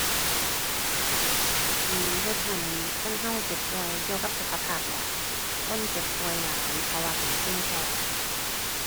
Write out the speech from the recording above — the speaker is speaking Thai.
อือ เฮ็ดให้คนเราเจ็บป่วยเกี่ยวกับสุขภาพแหละ คนเจ็บป่วยหลายเพราะว่าเป็นภูมิแพ้